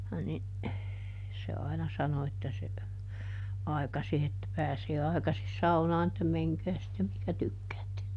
niin se aina sanoi että se aikaisin että pääsee aikaisin saunaan että menkää sitten mihin tykkäätte